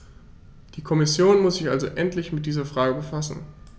Die Kommission muss sich also endlich mit dieser Frage befassen.